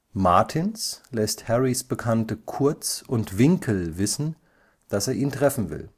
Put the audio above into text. Martins lässt Harrys Bekannte Kurtz und Winkel wissen, dass er ihn treffen will